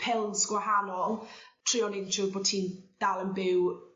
pils gwahanol trio neud yn siŵr bo' ti'n dal yn byw